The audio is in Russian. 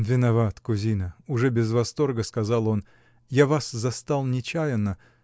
— Виноват, кузина, — уже без восторга сказал он, — я вас застал нечаянно.